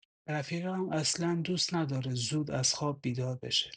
رفیقم اصلا دوست نداره زود از خواب بیدار بشه.